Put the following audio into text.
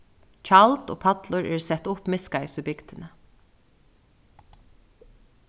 tjald og pallur eru sett upp miðskeiðis í bygdini